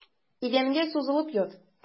Идәнгә сузылып ят.